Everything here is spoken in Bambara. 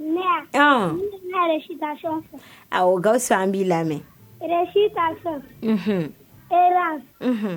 ɔn n bɛna recitation awɔ, Gawusuan b'i lamɛn recitation hero